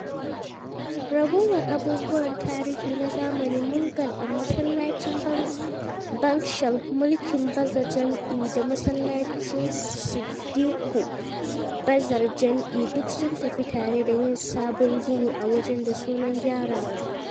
Ragowar abubuwan tarihi na zamanin Mughal a masallacin Bangshal Mukim Baza Jam-e da masallacin Siddiƙue Bazar Jam-e duk sun tafi, tare da yin sabon gini a wajen da sunan gyarawa.